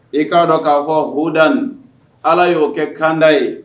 I k'a dɔn k'a fɔ hd ala y'o kɛ kanda ye